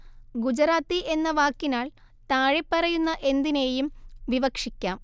ഗുജറാത്തി എന്ന വാക്കിനാല്‍ താഴെപ്പറയുന്ന എന്തിനേയും വിവക്ഷിക്കാം